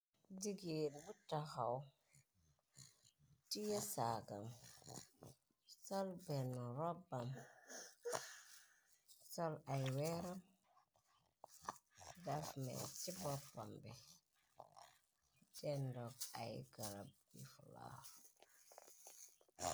Jigeen butaxaw tiye saagam sol benn robban sol ay weeram dasmer ci boppam bi dendok ay garab waw.